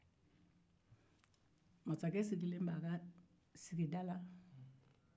masakɛ sigilen b'a ka sigida la